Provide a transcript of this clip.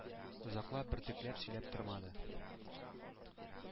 Озаклап, бөртекләп сөйләп тормады,